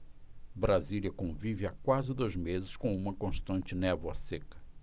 brasília convive há quase dois meses com uma constante névoa seca